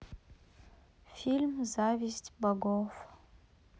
фильм зависть богов